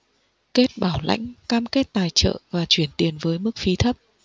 kết bảo lãnh cam kết tài trợ và chuyển tiền với mức phí thấp